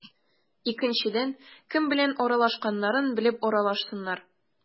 Икенчедән, кем белән аралашканнарын белеп аралашсыннар.